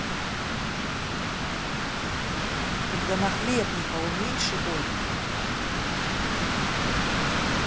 когда нахлебника уменьши год